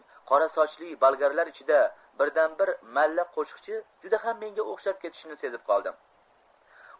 qora sochli bolgarlar ichida birdan bir malla qo'shichi juda ham menga o'xshab ketishini sezib qoldim